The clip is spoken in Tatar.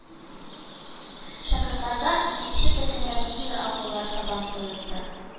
Шыгырданда Икенче Бөтенроссия авыллар сабан туе узды